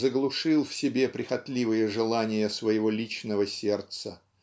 заглушил в себе прихотливые желания своего личного сердца